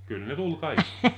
kyllä ne tuli kaikki